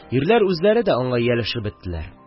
Ирләр үзләре дә аңа ияләшеп беттеләр.